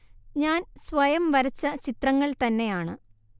ഞാൻ സ്വയം വരച്ച ചിത്രങ്ങൾ തന്നെയാണ്